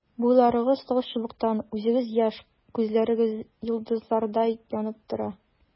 Буйларыгыз талчыбыктай, үзегез яшь, күзләрегез йолдызлардай янып тора.